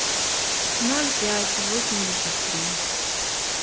ноль пять восемьдесят три